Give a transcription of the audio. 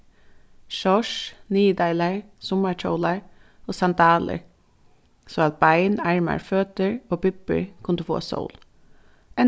shorts niðurdeilar summarkjólar og sandalur so at bein armar føtur og bibbur kundu fáa sól